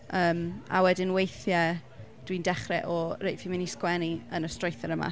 yym a wedyn weithiau dwi'n dechrau o "reit fi'n mynd i sgwennu yn y strwythur yma".